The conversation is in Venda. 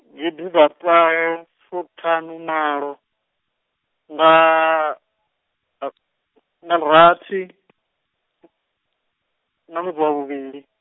gidiḓaṱahefuṱhanumalo, nga , nga rathi, nga wa vhuvhili.